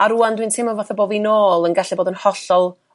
a rŵan dwi'n teimlo fatha bo' fi nôl yn gallu bod yn hollol